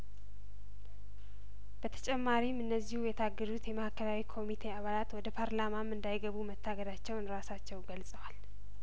በተጨማሪም እነዚሁ የታገዱት የማእከላዊ ኮሚቴ አባላት ወደ ፓርላማም እንዳይገቡ መታገዳቸውን ራሳቸው ገልጸዋል